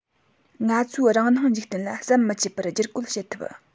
ང ཚོའི རང སྣང འཇིག རྟེན ལ ཟམ མི འཆད པར བསྒྱུར བཀོད བྱེད ཐུབ